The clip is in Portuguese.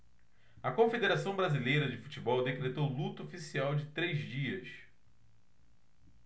a confederação brasileira de futebol decretou luto oficial de três dias